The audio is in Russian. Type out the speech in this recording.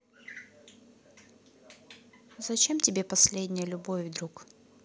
зачем тебе последняя любовь круг